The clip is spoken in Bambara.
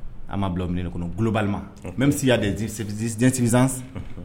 An b' bila min kɔnɔ kubali mɛ bɛ seya dezszsin